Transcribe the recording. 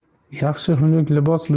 yaxshi xunuk libos